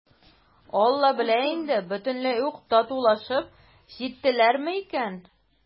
«алла белә инде, бөтенләй үк татулашып җиттеләрме икән?»